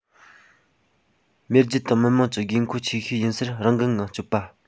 མེས རྒྱལ དང མི དམངས ཀྱི དགོས མཁོ ཆེ ཤོས ཡིན སར རང འགུལ ངང སྐྱོད པ